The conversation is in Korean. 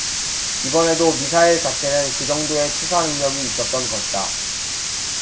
이번에도 미사일 자체는 그 정도의 투사능력이 있었던 것이다